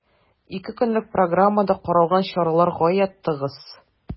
Ике көнлек программада каралган чаралар гаять тыгыз.